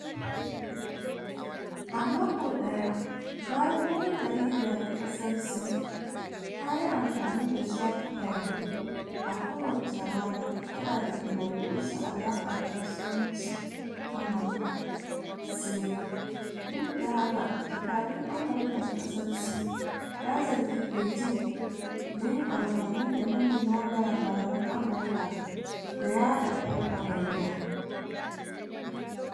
A mako daya bayan wata jarida ta kasar Sin ta yi amfani da shafuka hudu a kowace rana tana tallar kushe alakar kasuwanci Amurka - Sin, duk da haka, jakadun Amurka na kasar Sin ya zargi Beijing da yin amfani da manema labaran Amurka da yada farfaganda.